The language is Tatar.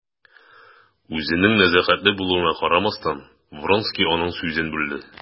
Үзенең нәзакәтле булуына карамастан, Вронский аның сүзен бүлде.